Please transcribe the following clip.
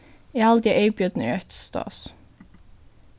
eg haldi at eyðbjørn er eitt stás